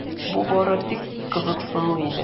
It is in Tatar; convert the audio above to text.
Бу бары тик кызыксыну иде.